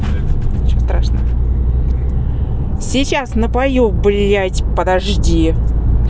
сейчас напою блядь подожди